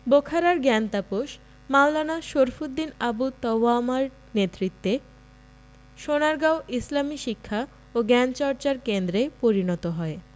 বোখারার জ্ঞানতাপস মাওলানা শরফুদ্দীন আবু তওয়ামার নেতৃত্বে সোনারগাঁও ইসলামি শিক্ষা ও জ্ঞানচর্চার কেন্দ্রে পরিণত হয়